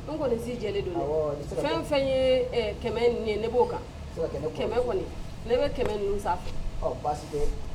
N kɔnisi jeli don fɛn fɛn ye ye b'o ne bɛ ninnu sa